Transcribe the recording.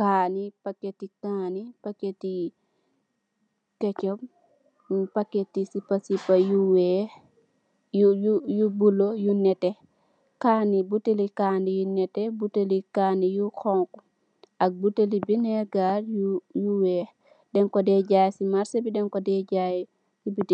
kani packeti kani paceti ketchup packeti sipasipa yu weex yu bulu yu netex kani botalie kani yu nete botalie kani yu xonxu ak botalie benegar yu weex deng ko dey jay si marche bi ak si bitik bi.